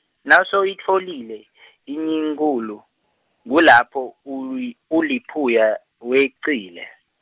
nasoyitfolile, iyinkhulu, ngulapho uyi uluphuya, wengcile.